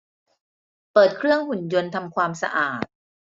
เปิดเครื่องหุ่นยนต์ทำความสะอาด